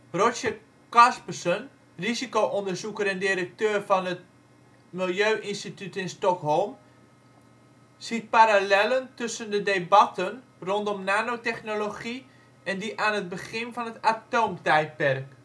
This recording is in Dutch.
Roger Kasperson, risico-onderzoeker en directeur van het Milieu-instituut in Stockholm, ziet parallellen tussen de debatten rondom nanotechnologie en die aan het begin van het atoomtijdperk